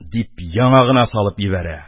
Дип, яңагына салып йибәрә.